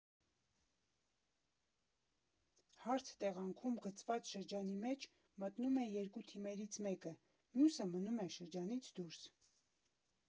Հարթ տեղանքում գծված շրջանի մեջ մտնում է երկու թիմերից մեկը, մյուսը մնում է շրջանից դուրս։